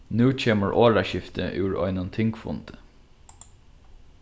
nú kemur orðaskifti úr einum tingfundi